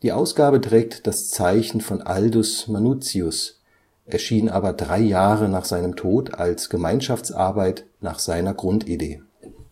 Ausgabe trägt das Zeichen von Aldus Manutius, erschien aber drei Jahre nach seinem Tod als Gemeinschaftsarbeit nach seiner Grundidee. Im